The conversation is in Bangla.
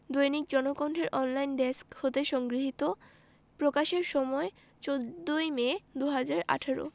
দৈনিক জনকণ্ঠের অনলাইন ডেস্ক হতে সংগৃহীত প্রকাশের সময় ১৪ মে ২০১৮